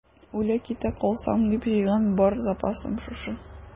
Үлә-китә калсам дип җыйган бар запасым шушы.